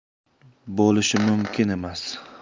bo'lishi mumkin emas